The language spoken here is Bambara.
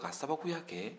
k'a sababuya kɛ